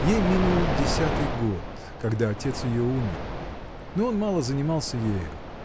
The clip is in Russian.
Ей минул десятый год, когда отец ее умер; но он мало занимался ею.